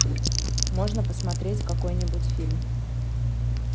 можно посмотреть какой нибудь фильм